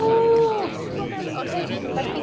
Ww, ti isio gwbod be oedd y swydd gynta i mi ei gael?